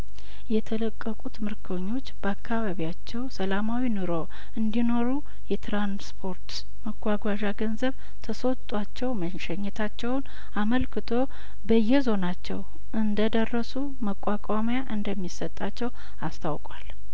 የተለቀቁት ምርኮኞች በአካባቢያቸው ሰላማዊ ኑሮ እንዲ ኖሩ የትራንስፖርት መጓጓዣ ገንዘብ ተሰጧቸው መሸኘታቸውን አመልክቶ በየዞ ናቸው እንደደረሱ መቋቋሚያ እንደሚሰጣቸው አስታውቋል